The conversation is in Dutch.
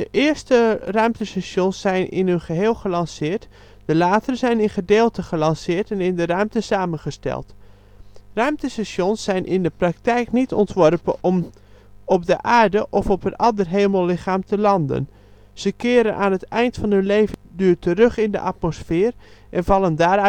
eerste ruimtestations zijn in hun geheel gelanceerd, de latere zijn in gedeelten gelanceerd en in de ruimte samengesteld. Ruimtestations zijn in de praktijk niet ontworpen om op de aarde of op een ander hemellichaam te landen. Ze keren aan het eind van hun levensduur terug in de atmosfeer, en vallen daar uiteen